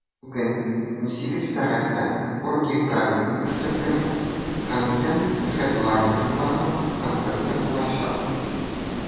Бүген 18 сәгатьтә "Оргии праведников" төркеме - конвент хедлайнерларының концерты булачак.